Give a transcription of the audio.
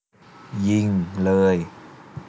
ยิงเลย